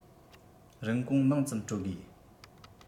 རིན གོང མང ཙམ སྤྲོད དགོས